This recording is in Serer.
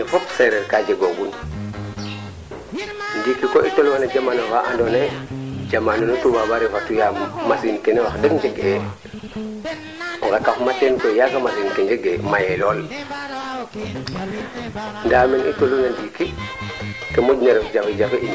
so cunga a axa areer so wiin we leya ye koy a axa areer ke ngar keyo ka ando naye wax deg yala arranger kirang foko moof cunga comme jegiro so ax ke daal a mbaang anga teela lool so kuma jufu wax deg xana arranger a in trop